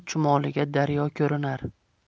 chumoliga daryo ko'rinar